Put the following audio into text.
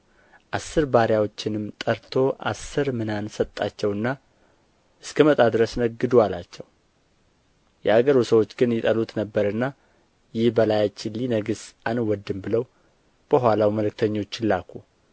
አሥር ባሪያዎችንም ጠርቶ አሥር ምናን ሰጣቸውና እስክመጣ ድረስ ነግዱ አላቸው የአገሩ ሰዎች ግን ይጠሉት ነበርና ይህ በላያችን ሊነግሥ አንወድም ብለው በኋላው መልክተኞችን ላኩ